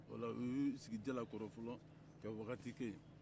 voila u y'u sigi jala kɔrɔ fɔlɔ ka wagati kɛ yen